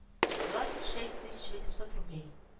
Двадцать шесть тысяч восемьсот рублей